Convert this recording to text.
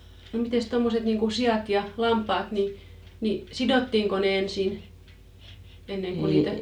no mitenkäs tuommoiset niin kuin siat ja lampaat niin niin sidottiinko ne ensin ennen kuin niitä